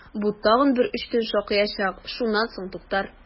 Бу тагын бер өч төн шакыячак, шуннан соң туктар!